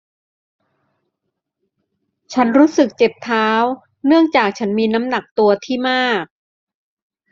ฉันรู้สึกเจ็บเท้าเนื่องจากฉันมีน้ำหนักตัวที่มาก